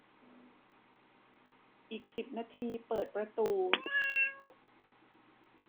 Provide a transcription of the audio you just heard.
อีกสิบนาทีเปิดประตู